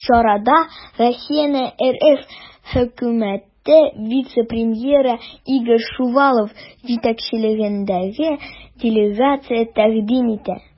Чарада Россияне РФ Хөкүмәте вице-премьеры Игорь Шувалов җитәкчелегендәге делегация тәкъдим итә.